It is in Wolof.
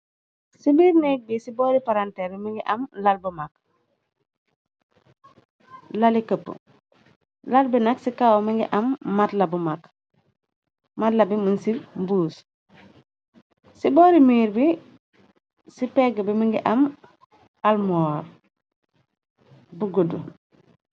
ci mbiir nékk bi ci boori paranteer bi mingi am lal bu mag lali këpp lal bi nag ci kaw mi ngi am matla bu mag matla bi mingi ci mbuus ci boori miir bi ci pégg bi mi ngi am almoor bu gudd.